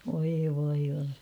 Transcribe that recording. voi voi voi